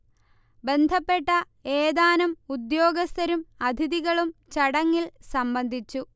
ബന്ധപ്പെട്ട ഏതാനും ഉദേൃാഗസ്ഥരും അതിഥികളും ചടങ്ങിൽ സംബന്ധിച്ചു